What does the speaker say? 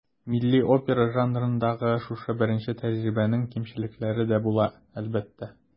Милли опера жанрындагы шушы беренче тәҗрибәнең кимчелекләре дә була, әлбәттә.